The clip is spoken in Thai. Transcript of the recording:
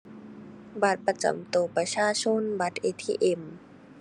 บัตรประจำตัวประชาชน บัตร ATM